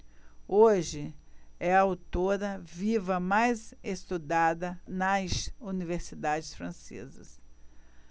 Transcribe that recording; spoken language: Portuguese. hoje é a autora viva mais estudada nas universidades francesas